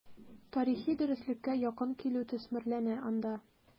Тарихи дөреслеккә якын килү төсмерләнә анда.